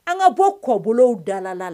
An ka bɔ kɔbolo dalala